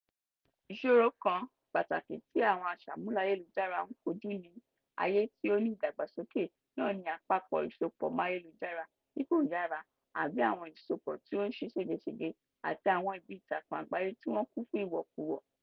Ìṣòro kan pàtàkì tí àwọn aṣàmúlò ayélujára ń kojú ní ayé tí ó ń ní ìdàgbàsókè náà ni àpapọ̀ ìsopọ̀máyélujára tí kò yára (àbí, àwọn ìsopọ̀ tí ó ń ṣe ṣégesège) àti àwọn ibi ìtakùn àgbáyé tí wọ́n kún fún ìwòkuwò.